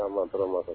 Urama